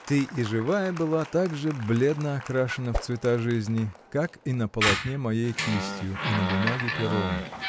— Ты и живая была так же бледно окрашена в цвета жизни, как и на полотне моей кистью, и на бумаге пером!